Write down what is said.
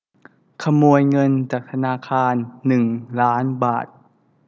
ขโมยเงินจากธนาคารหนึ่งล้านบาท